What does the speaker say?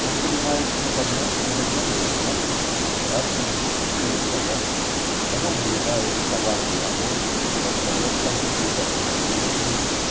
Он подымается на подножки, заглядывает в окна и спрашивает, все ли в порядке, потом влезает в товарный вагон и отдает там какие-то распоряжения.